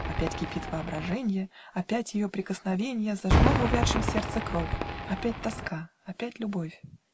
Опять кипит воображенье, Опять ее прикосновенье Зажгло в увядшем сердце кровь, Опять тоска, опять любовь!.